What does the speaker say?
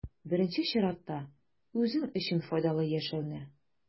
Беренче чиратта, үзең өчен файдалы яшәүне.